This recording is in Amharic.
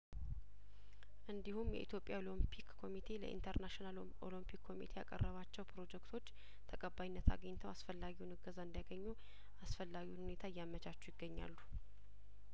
እንዲሁም የኢትዮጵያ ኦሎምፒክ ኮሚቴ ለኢንተርናሽናል ኦሎምፒክ ኮሚቴ ያቀረባቸው ፕሮጀክቶች ተቀባይነት አግኝተው አስፈላጊውን እገዛ እንዲ ያገኙ አስፈላጊውን ሁኔታ እያመቻቹ ይገኛሉ